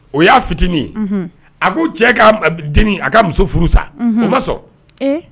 O y'a fitinin ye, unhun,a ko cɛ ka a denni,a ka muso furu sa, unhun,o ma sɔn, ee.